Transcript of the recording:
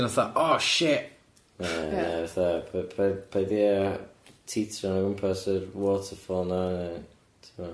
Ia ia fatha p- paid paid di a tîtran o gwmpas yr waterfall yna ne ti 'bod?